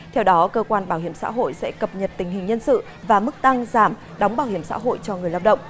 theo đó cơ quan bảo hiểm xã hội sẽ cập nhật tình hình nhân sự và mức tăng giảm đóng bảo hiểm xã hội cho người lao động